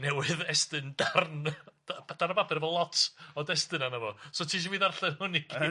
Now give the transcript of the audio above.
newydd estyn darn darn o bapur efo lot o destun arno fo, so ti isio fi ddarllen hwn i gyd?